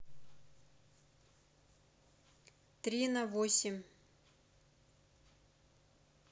три на восемь